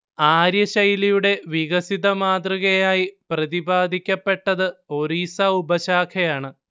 ആര്യ ശൈലിയുടെ വികസിത മാതൃകയായി പ്രതിപാദിക്കപ്പെട്ടത് ഒറീസ ഉപശാഖയാണ്